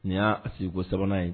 Nin y'a a sigi ko 3 nan ye